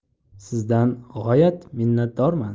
sizdan g'oyat minnatdorman